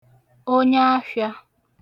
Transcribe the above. onyaafhịā